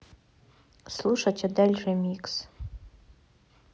слушать адель ремикс